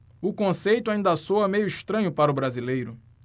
o conceito ainda soa meio estranho para o brasileiro